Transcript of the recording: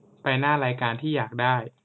ไปหน้ารายการที่อยากได้